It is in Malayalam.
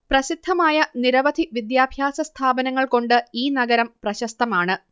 പ്രസിദ്ധമായ നിരവധി വിദ്യാഭ്യാസ സ്ഥാപനങ്ങൾ കൊണ്ട് ഈ നഗരം പ്രശസ്തമാണ്